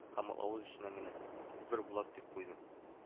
Һәм ул авыз эченнән генә “күпер булат” дип куйды